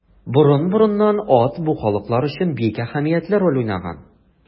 Борын-борыннан ат бу халыклар өчен бик әһәмиятле роль уйнаган.